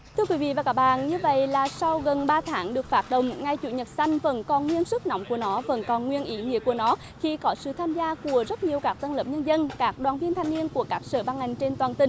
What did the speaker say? thưa quý vị và các bạn như vậy là sau gần ba tháng được phát động ngày chủ nhật xanh vẫn còn nguyên sức nóng của nó vẫn còn nguyên ý nghĩa của nó khi có sự tham gia của rất nhiều các tầng lớp nhân dân các đoàn viên thanh niên của các sở ban ngành trên toàn tỉnh